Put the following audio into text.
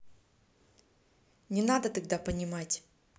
не надо тогда понимать